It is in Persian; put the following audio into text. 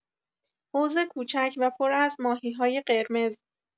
حوض کوچک و پر از ماهی‌های قرمز